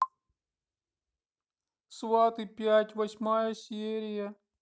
сваты пять восьмая серия